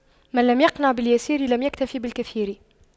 من لم يقنع باليسير لم يكتف بالكثير